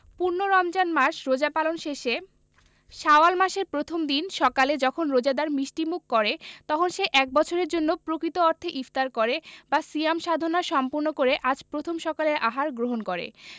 পূর্ণ রমজান মাস রোজা পালন শেষে শাওয়াল মাসের প্রথম দিন সকালে যখন রোজাদার মিষ্টিমুখ করে তখন সে এক বছরের জন্য প্রকৃত অর্থে ইফতার করে বা সিয়াম সাধনা সম্পূর্ণ করে আজ প্রথম সকালের আহার গ্রহণ করে